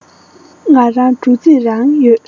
ང རང འགྲོ ཙིས ཡོད